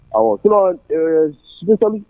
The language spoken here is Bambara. Ɔwɔ sinon ee